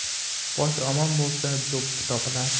bosh omon bo'lsa do'ppi topilar